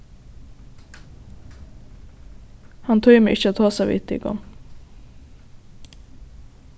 hann tímir ikki at tosa við tykum